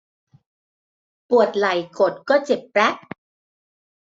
ปวดไหล่กดก็เจ็บแปล๊บ